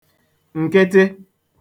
ǹkịtị